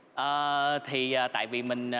ờ thì tại vì mình